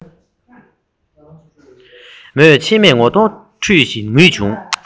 མོས མཆིལ མས ངོ གདོང འཁྲུད བཞིན ངུས བྱུང